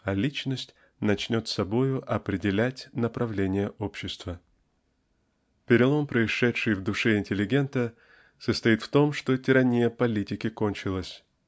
а личность начнет собою определять направление общества. Перелом происшедший в душе интеллигента состоит в том что тирания политики кончилась.